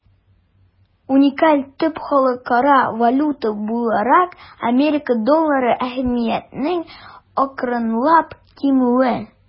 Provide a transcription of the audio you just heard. Уникаль төп халыкара валюта буларак Америка доллары әһәмиятенең акрынлап кимүе.